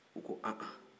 u ko an-an